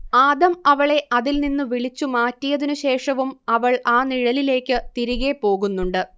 ആദം അവളെ അതിൽ നിന്നു വിളിച്ചു മാറ്റിയതിനു ശേഷവും അവൾ ആ നിഴലിലേയ്ക്ക് തിരികേ പോകുന്നുണ്ട്